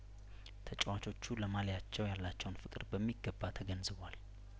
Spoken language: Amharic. ተጫዋቾቹ ለማልያቸው ያላቸውን ፍቅር በሚገባ ተገንዝቧል